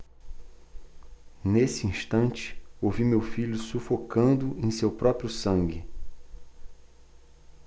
nesse instante ouvi meu filho sufocando em seu próprio sangue